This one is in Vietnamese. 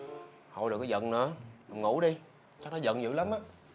hoi đừng có giận nữa ngủ đi chắc nó giận giữ lắm á